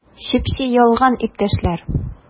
Чеп-чи ялган, иптәшләр!